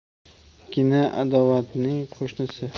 gina adovatning qo'shnisi